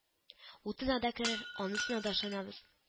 Утына да керер – анысына да ышанабыз